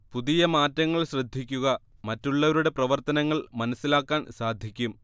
പുതിയ മാറ്റങ്ങൾ ശ്രദ്ധിക്കുക മറ്റുള്ളവരുടെ പ്രവർത്തനങ്ങൾ മനസിലാക്കാൻ സാധിക്കും